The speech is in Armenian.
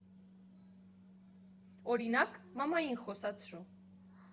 Օրինակ՝ մամային խոսացրու։